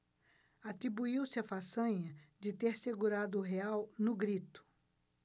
atribuiu-se a façanha de ter segurado o real no grito